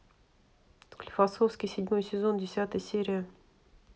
склифосовский седьмой сезон десятая серия